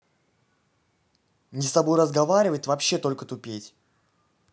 не с тобой разговаривать то вообще только тупеть